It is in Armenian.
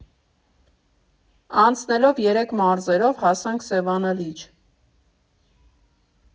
Անցնելով երեք մարզերով՝ հասանք Սևանա լիճ։